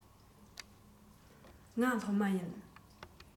ང སློབ མ ཡིན